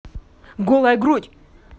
голая грудь